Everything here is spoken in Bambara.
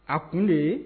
A kun de ye